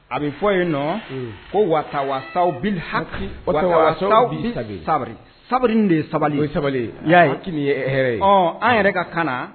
A bɛ fɔ yen nɔ ko wasa ha sabaliri de ye sabali ye sabali ye hɛrɛ ye an yɛrɛ ka ka